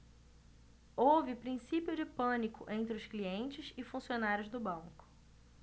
houve princípio de pânico entre os clientes e funcionários do banco